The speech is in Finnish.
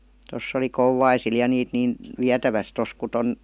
tuossa oli Kouvaisilla ja niitä niin vietävästi tuossa kun tuon